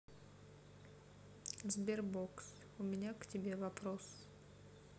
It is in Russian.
sberbox у меня к тебе вопрос